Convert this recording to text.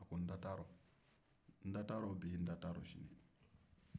a ko n da tarɔ n da t'a rɔ bi n da ta rɔ sini